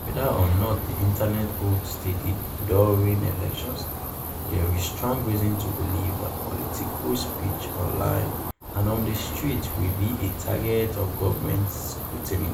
Whether or not the internet holds steady during elections, there is strong reason to believe that political speech online and on the street will be a target of government scrutiny.